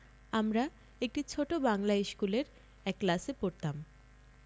আমরা একটি ছোট বাঙলা ইস্কুলের এক ক্লাসে পড়তাম